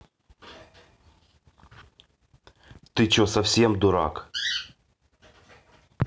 ты че совсем дурак